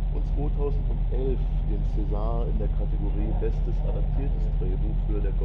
2011: César in der Kategorie Bestes adaptiertes Drehbuch für